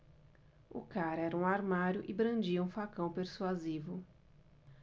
o cara era um armário e brandia um facão persuasivo